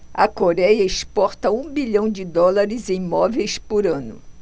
a coréia exporta um bilhão de dólares em móveis por ano